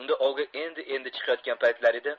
unda ovga endi endi chiqayotgan paytlari edi